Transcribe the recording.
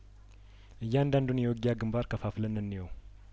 እያንዳንዱን የውጊያግንባር ከፋፍለን እንየው